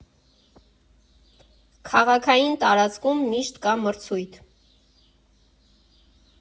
Քաղաքային տարածքում միշտ կա մրցույթ։